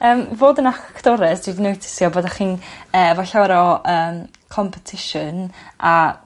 Yym fod yn actores dwi 'di notisio byddech chi'n yy ma' llawer o yym competition a